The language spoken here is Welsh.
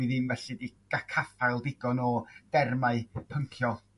dwi ddim felly 'di caffael digon o dermau pynciol.